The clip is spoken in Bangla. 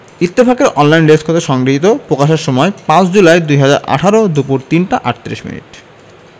ইত্তেফাকের অনলাইন ডেস্ক হতে সংগৃহীত প্রকাশের সময় ৫ জুলাই ২০১৮ দুপুর ৩টা ৩৮ মিনিট